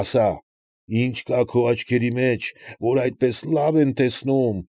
Ասա, ի՞նչ կա քո աչքերի մեջ, որ այդպես լավ են տեսնում։